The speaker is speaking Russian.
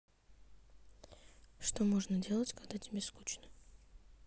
что можно делать когда тебе скучно